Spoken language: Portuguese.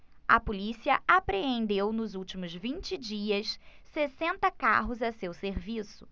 a polícia apreendeu nos últimos vinte dias sessenta carros a seu serviço